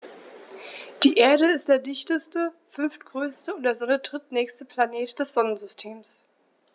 Die Erde ist der dichteste, fünftgrößte und der Sonne drittnächste Planet des Sonnensystems.